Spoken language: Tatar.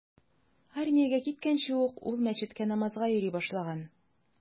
Армиягә киткәнче ук ул мәчеткә намазга йөри башлаган.